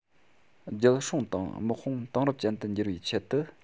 རྒྱལ སྲུང དང དམག དཔུང དེང རབས ཅན དུ འགྱུར བའི ཆེད དུ